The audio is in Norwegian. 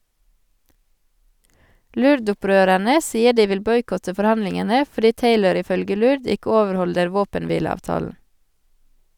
LURD-opprørerne sier de vil boikotte forhandlingene fordi Taylor ifølge LURD ikke overholder våpenhvileavtalen.